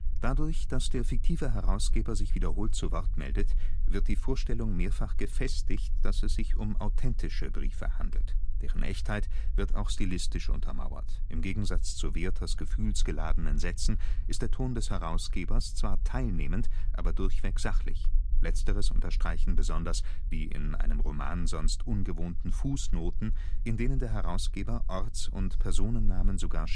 Dadurch, dass der fiktive Herausgeber sich wiederholt zu Wort meldet, wird die Vorstellung mehrfach gefestigt, dass es sich um authentische Briefe handelt. Deren Echtheit wird auch stilistisch untermauert: Im Gegensatz zu Werthers gefühlsgeladenen Sätzen ist der Ton des Herausgebers zwar teilnehmend, aber durchweg sachlich. Letzteres unterstreichen besonders die in einem Roman sonst ungewohnten Fußnoten, in denen der Herausgeber Orts - und Personennamen sogar